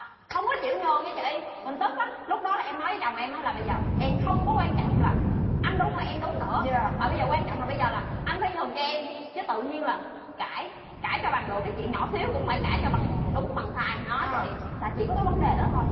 không có chịu nhường nha chị mình tức lắm lúc đó là em nói với chồng em á là bây giờ em không có quan trọng là anh đúng hay em đúng nữa mà bây giờ quan trọng là bây giờ là anh phải nhường cho em chứ tự nhiên là cãi cãi cho bằng được cái chuyện nhỏ xíu cũng phải cãi cho bằng đúng bằng sai nói chị là chỉ có cái vấn đề đó thôi